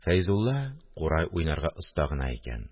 Фәйзулла курай уйнарга оста гына икән